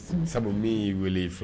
Sabu min y'i weele